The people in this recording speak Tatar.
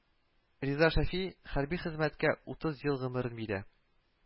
Риза Шәфи хәрби хезмәткә утыз ел гомерен бирә